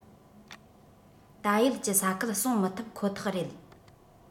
ད ཡོད ཀྱི ས ཁུལ སྲུང མི ཐུབ ཁོ ཐག རེད